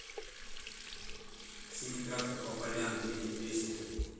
синий трактор по полям едет песня